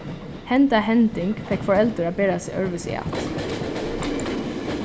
henda hending fekk foreldur at bera seg øðrvísi at